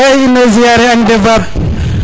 in way ziare ang de Bab